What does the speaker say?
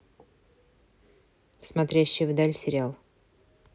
смотрящая вдаль сериал